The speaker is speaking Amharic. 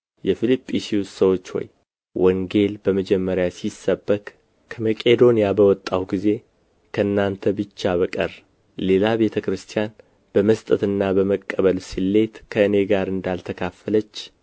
የፊልጵስዩስ ሰዎች ሆይ ወንጌል በመጀመሪያ ሲሰበክ ከመቄዶንያ በወጣሁ ጊዜ ከእናንተ ብቻ በቀር ሌላ ቤተ ክርስቲያን በመስጠትና በመቀበል ስሌት ከእኔ ጋር እንዳልተካፈለች